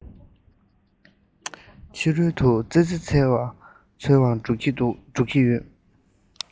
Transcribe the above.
ཕྱི རོལ དུ ཙི ཙི འཚོལ བར འགྲོ གི ཡོད